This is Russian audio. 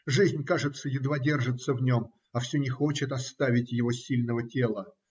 Жизнь, кажется, едва держится в нем, а все не хочет оставить его сильного тела.